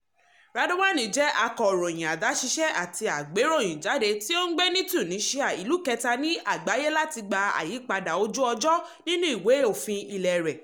Radhouane jẹ́ akọ̀ròyìn adáṣiṣẹ́ àti agbéròyìnjáde tí ó ń gbé ní Tunisia, ìlú kẹta ní àgbáyé láti gba àyípadà ojú-ọjọ́ nínú Ìwé-òfin ilẹ̀ rẹ̀.